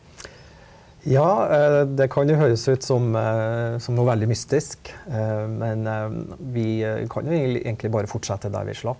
ja det kan jo høres ut som som noe veldig mystisk men vi kan jo egentlig bare fortsette der vi slapp.